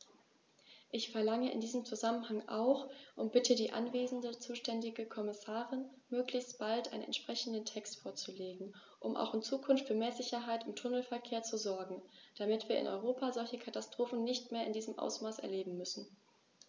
Ich verlange in diesem Zusammenhang auch und bitte die anwesende zuständige Kommissarin, möglichst bald einen entsprechenden Text vorzulegen, um auch in Zukunft für mehr Sicherheit im Tunnelverkehr zu sorgen, damit wir in Europa solche Katastrophen nicht mehr in diesem Ausmaß erleben müssen!